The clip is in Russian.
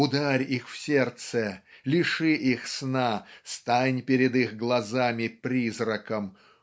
Ударь их в сердце, лиши их сна, стань перед их глазами призраком!